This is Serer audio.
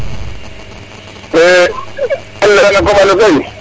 ken ley na na koɓale koy